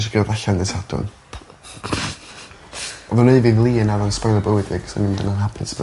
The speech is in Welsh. Nesh i gerddad allan dy' Sadwrn. Odd o'n rili flin a odd o'n sbwylio bywyd fi achos o'n i ddim digon hapus...